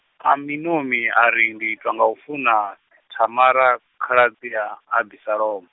Aminomi ari ndi itwa nga u funa, Thamara, khaladzi ya, Abisalomo.